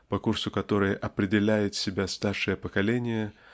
по курсу которой определяет себя старшее поколение